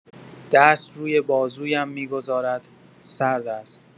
دست روی بازویم می‌گذارد، سرد است.